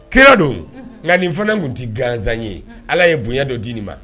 Kira don nka nin fana tun tɛ gansan ye ala ye bonya dɔ di nin ma